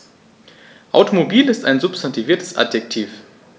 Automobil ist ein substantiviertes Adjektiv.